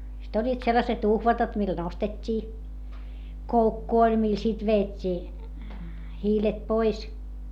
sitten olivat sellaiset uhvatat millä nostettiin koukku oli millä sitten vedettiin hiilet pois